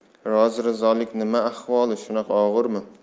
rozi rizolik nima ahvoli shunaqa og'irmi